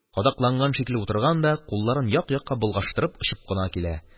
Кадакланган шикелле утырган да, кулларын як-якка болгаштырып, очып кына килә.